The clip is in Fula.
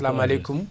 assalamu aleykum